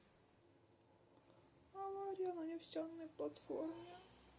авария на нефтяной платформе